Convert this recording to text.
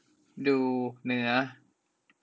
ดูเนื้อ